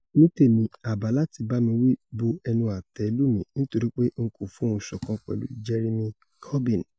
Nítèmi, àbá láti bámi wi bú ẹnu àtẹ́ lù mi nítorípe N ko fohùnṣọ̀kan pẹ̀lú Jeremy Corbyn.